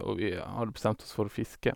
Og vi hadde bestemt oss for å fiske.